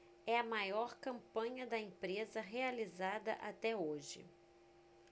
é a maior campanha da empresa realizada até hoje